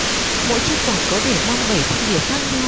mỗi chiếc quạt có thể mang bảy thông điệp khác nhau